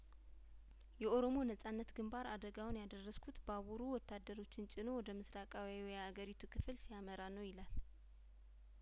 የኦሮሞ ነጻነት ግንባር አደጋውን ያደረስኩት ባቡሩ ወታደሮችን ጭኖ ወደ ምስራቃዊው የአገሪቱ ክፍል ሲያመራ ነው ይላል